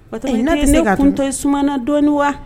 O to yen, ne kun to sumana dɔɔnin wa.